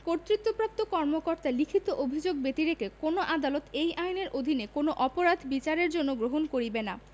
কর্তৃত্বপ্রাপ্ত কর্মকর্তার লিখিত অভিযোগ ব্যতিরেকে কোন আদালত এই আইনের অধীন কোন অপরাধ বিচারের জন্য গ্রহণ করিবে না